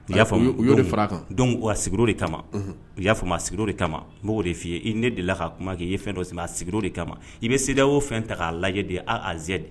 I y'a faamu, u y'o de far'a kan, donc a sigir'o de kama, unhun, i y'o faamu, a sigir'o de de kama, n b'o de f 'i ye. I ni deli la k'a kuma kɛ , i ye fɛn dɔ sɛbɛn, i bɛ C E D E A-O fɛn ta k'a lajɛ bi de A à Z